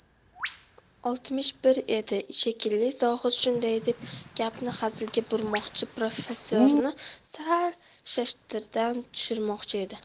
oltmish bir edi shekilli zohid shunday deb gapni hazilga burmoqchi professorni sal shashtidan tushirmoqchi edi